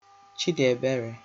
Chidị̀èberè